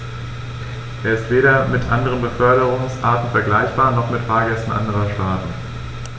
Er ist weder mit anderen Beförderungsarten vergleichbar, noch mit Fahrgästen anderer Staaten.